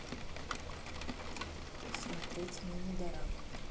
смотреть мини дорама